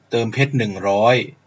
เติมเพชรหนึ่งร้อย